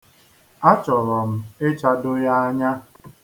Achọrọ m ịchado ya anya.